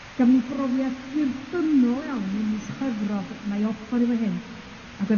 Gafon ni brofiad dirdynnol iawn ym mis Chwefrog, wna i orffan efo hyn, ac o'dd...